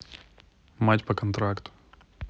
мать по контракту